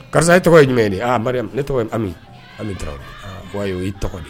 Karisa ye tɔgɔ ye jumɛn ye ne tɔgɔ tarawele ayi tɔgɔ de